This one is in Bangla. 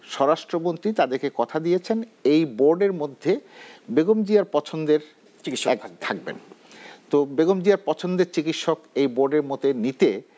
স্বরাষ্ট্রমন্ত্রী তাদেরকে কথা দিয়েছেন এই বোর্ডের মধ্যে বেগম জিয়ার পছন্দের চিকিৎসক একজন থাকবেন তো বেগম জিয়ার পছন্দের চিকিৎসক বোর্ড এর মতে নিতে